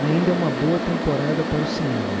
ainda é uma boa temporada para o cinema